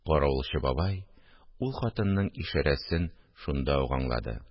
Каравылчы бабай ул хатынның ишарәсен шунда ук аңлады